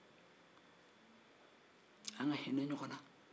an ka hinɛ ɲɔgɔn na